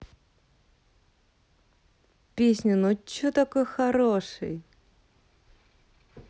песня ну че такой хороший